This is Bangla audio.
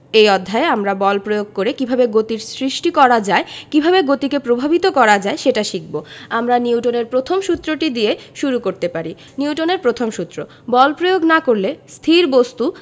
এই অধ্যায়ে আমরা বল প্রয়োগ করে কীভাবে গতির সৃষ্টি করা যায় কিংবা গতিকে প্রভাবিত করা যায় সেটি শিখব আমরা নিউটনের প্রথম সূত্রটি দিয়ে শুরু করতে পারি নিউটনের প্রথম সূত্র বল প্রয়োগ না করলে স্থির বস্তু